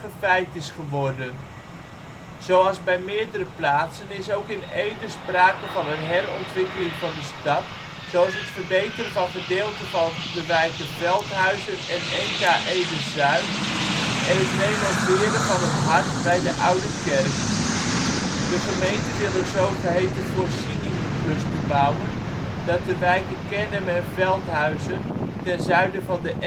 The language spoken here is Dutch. feit is geworden. Zoals bij meerdere plaatsen is ook in Ede sprake van een (her) ontwikkeling van de stad, zoals het verbeteren van gedeelten van de wijken Veldhuizen en Enka/Ede-Zuid en het renoveren van het hart bij de Oude Kerk. De gemeente wil een zogeheten Voorzieningencluster bouwen dat de wijken Kernhem en Veldhuizen - ten zuiden van de